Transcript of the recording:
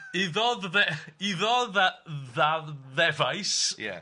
'Iddo 'dd- Iddo 'dd add-efais,'